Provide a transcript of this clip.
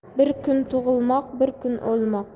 bir kun tug'ilmoq bir kun o'lmoq